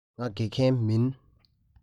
ང དགེ རྒན མིན